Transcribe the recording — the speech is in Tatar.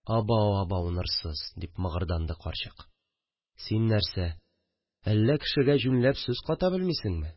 – абау-абау норсыз, – дип мыгырданды карчык, – син нәрсә, әллә кешегә җүнләп сүз ката белмисеңме